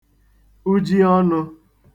ujiọnū